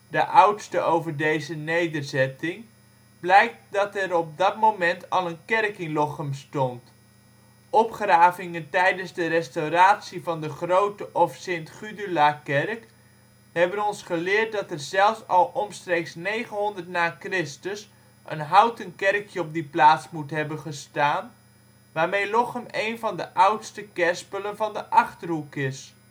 de oudste over deze nederzetting, blijkt dat er op dat moment al een kerk in Lochem stond. Opgravingen tijdens de restauratie van de Grote of St. Gudulakerk hebben ons geleerd dat er zelfs al omstreeks 900 na Chr. een houten kerkje op die plaats moet hebben gestaan, waarmee Lochem één van de oudste kerspelen van de Achterhoek is